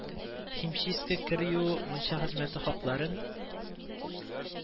Химчистка, кер юу, мунча хезмәте хакларның